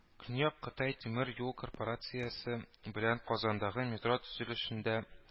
Көньяк Кытай тимер юл корпорациясе белән Казандагы метро төзелешендә